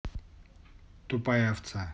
тупая овца